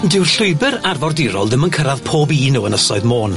Dyw'r llwybyr arfordirol ddim yn cyrradd pob un o Ynysoedd Môn.